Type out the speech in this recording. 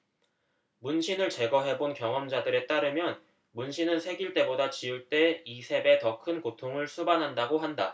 문신을 제거해 본 경험자들에 따르면 문신은 새길 때보다 지울 때 이 세 배 더 큰 고통을 수반한다고 한다